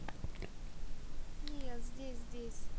нет здесь здесь